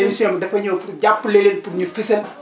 émission bi dafa ñëw pour jàppale leen pour ñu fësal